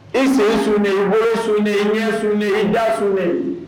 I sen sunnen i bolo sunnen i ɲɛ sunnen i da sunnen